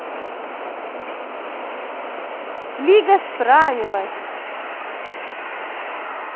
лига справилась